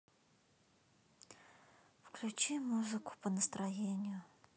включи музыку по настроению